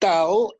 dal